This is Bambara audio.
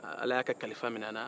ala 'y'a ka kalifa minɛ a la